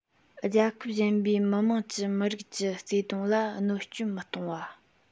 རྒྱལ ཁབ གཞན པའི མི དམངས ཀྱི མི རིགས ཀྱི བརྩེ དུང ལ གནོད སྐྱོན མི གཏོང བ